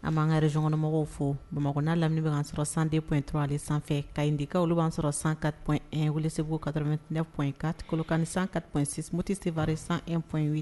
An ban ka region kɔnɔ mɔgɔw fɔ. Bamakɔ na lamini be kan sɔrɔ 102.3 de sanfɛ . Kayindiw olu ban sɔrɔ 104.1. Welesebugu 89.4. Kolokani 104.6 . Moti Sevare 101.8